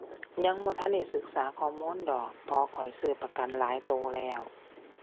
ยังบ่ทันได้ศึกษาข้อมูลดอก เพราะข้อยซื้อประกันหลายตัวแล้ว